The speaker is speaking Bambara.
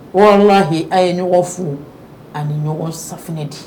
Wɔlahi a ye ɲɔgɔn fo ani ɲɔgɔn safunɛ de